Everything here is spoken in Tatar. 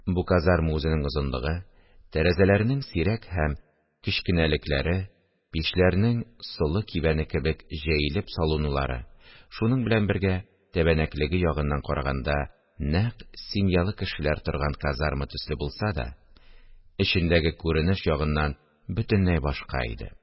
Бу казарма үзенең озынлыгы, тәрәзәләренең сирәк һәм кечкенәлекләре, пичләренең солы кибәне кебек җәелеп салынулары, шуның белән бергә, тәбәнәклеге ягыннан караганда нәкъ семьялы кешеләр торган казарма төсле булса да, эчендәге күренеш ягыннан бөтенләй башка иде